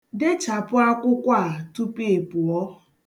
Dechapụ akwụkwọ a tupu ị pụọ.